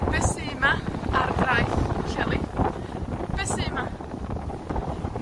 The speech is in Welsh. be' sy 'ma ar draeth Pwllheli, be' sy 'ma?